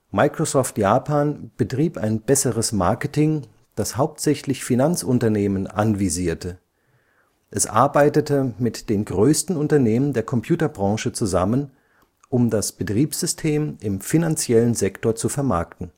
Microsoft Japan betrieb ein besseres Marketing, das hauptsächlich Finanzunternehmen anvisierte; es arbeitete mit den größten Unternehmen der Computerbranche zusammen, um das Betriebssystem im finanziellen Sektor zu vermarkten